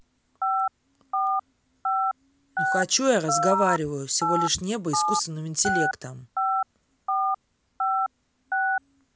ну хочу я разговариваю всего лишь небо искусственным интеллектом